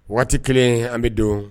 Waati 1 an bɛ don